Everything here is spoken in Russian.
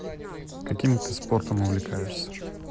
каким ты спортом увлекаешься